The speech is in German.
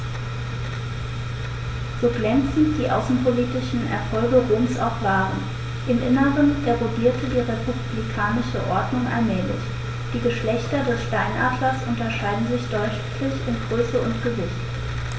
So glänzend die außenpolitischen Erfolge Roms auch waren: Im Inneren erodierte die republikanische Ordnung allmählich. Die Geschlechter des Steinadlers unterscheiden sich deutlich in Größe und Gewicht.